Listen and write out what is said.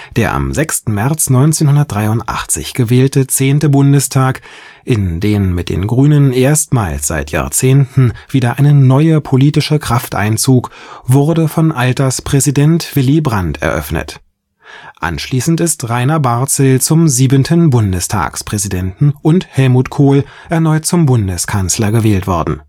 Der am 6. März 1983 gewählte zehnte Bundestag, in den mit den Grünen erstmals seit Jahrzehnten wieder eine neue politische Kraft einzog, wurde von Alterspräsident Willy Brandt eröffnet. Anschließend ist Rainer Barzel zum siebten Bundestagspräsidenten und Helmut Kohl erneut zum Bundeskanzler gewählt worden